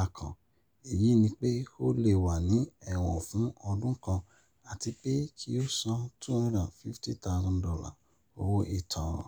A kàn, èyí ni pé ó lè wà ní ẹ̀wọ̀n fún ọdún kan àti pé kí ó san $250,000 owó ìtánràn